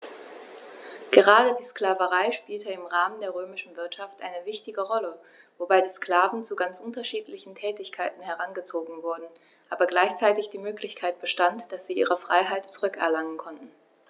Gerade die Sklaverei spielte im Rahmen der römischen Wirtschaft eine wichtige Rolle, wobei die Sklaven zu ganz unterschiedlichen Tätigkeiten herangezogen wurden, aber gleichzeitig die Möglichkeit bestand, dass sie ihre Freiheit zurück erlangen konnten.